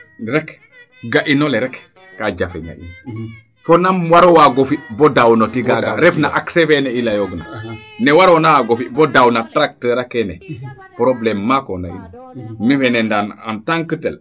rek ga'ino le rek kaa jafeña in fo nam waro waago fi bo daaw no tiyaga refna accés fee i leyoog na ne waroona waago fi bo daaw tracteur a keene probleme maako na in mi fene NDane en tant que tel